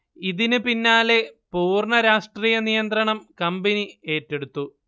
ഇതിന് പിന്നാലെ പൂർണ്ണ രാഷ്ട്രീയ നിയന്ത്രണം കമ്പനി ഏറ്റെടുത്തു